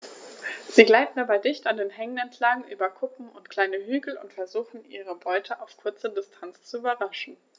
Sie gleiten dabei dicht an Hängen entlang, über Kuppen und kleine Hügel und versuchen ihre Beute auf kurze Distanz zu überraschen.